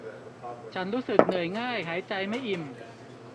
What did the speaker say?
ฉันรู้สึกเหนื่อยง่ายหายใจไม่อิ่ม